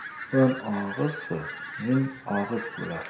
o'n og'iz so'z ming og'iz bo'lar